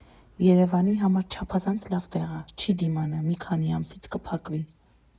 Երևանի համար չափազանց լավ տեղ ա, չի դիմանա, մի քանի ամսից կփակվի։